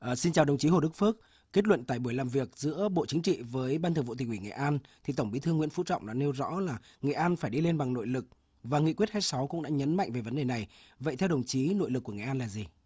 ờ xin chào đồng chí hồ đức phước kết luận tại buổi làm việc giữa bộ chính trị với ban thường vụ tỉnh ủy nghệ an thì tổng bí thư nguyễn phú trọng đã nêu rõ là nghệ an phải đi lên bằng nội lực và nghị quyết hai sáu cũng đã nhấn mạnh về vấn đề này vậy theo đồng chí nội lực của nghệ an là gì